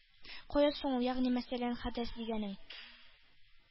Кая соң ул, ягъни мәсәлән, хәдәс дигәнең?